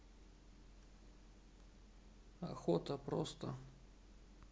охота просто